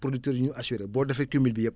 producteur yu énu assurés boo defee cumul bi yëpp